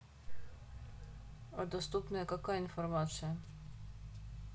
а доступная какая информация